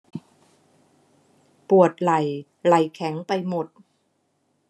ปวดไหล่ไหล่แข็งไปหมด